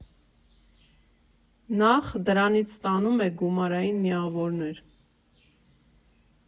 Նախ՝ դրանից ստանում եք գումարային միավորներ։